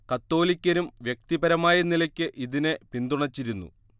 കത്തോലിക്കരും വ്യക്തിപരമായ നിലയ്ക്ക് ഇതിനെ പിന്തുണച്ചിരുന്നു